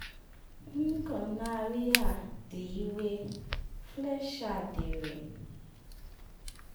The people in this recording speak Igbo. “Ngọnarị a dị iwe,” Fleischer dere.